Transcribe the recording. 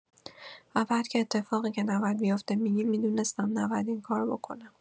و بعد که اتفاقی که نباید بیفته، می‌گیم "میدونستم نباید این کارو بکنم! "